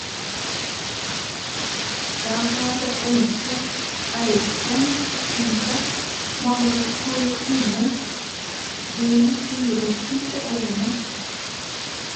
Der har også Øystein tilbrakt mange skoletimer de fire siste årene.